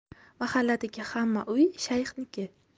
mahalladagi hamma uy shayxniki